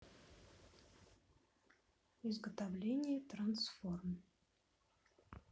изготовление трансформ